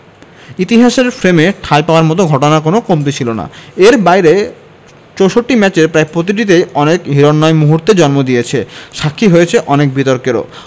ইতিহাসের ফ্রেমে ঠাঁই পাওয়ার মতো ঘটনার কোনো কমতি ছিল না এর বাইরে ৬৪ ম্যাচের প্রায় প্রতিটিই অনেক হিরণ্ময় মুহূর্তের জন্ম দিয়েছে সাক্ষী হয়েছে অনেক বিতর্কেরও